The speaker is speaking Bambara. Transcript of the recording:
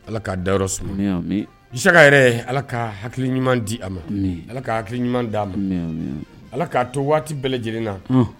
Ala k'a dayɔrɔ suma, amin amin, Isaka yɛrɛ Ala ka hakili ɲuman di a ma Ala ka hakili ɲuman di a ma, amin , ala k'a to waati bɛɛ lajɛlen na, un